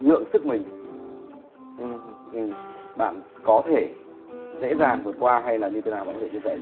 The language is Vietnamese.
lượng sức mình ừ ừ bạn có thể dễ dàng vượt qua hay là như thế nào bạn có thể chia sẻ